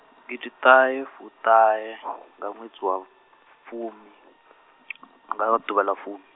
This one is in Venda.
gidiṱahefuṱahe- , nga ṅwedzi wavhu fumi, nga ḓuvha ḽa fumi.